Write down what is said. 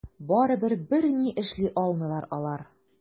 Барыбер берни эшли алмыйлар алар.